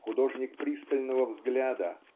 Художник пристального взгляда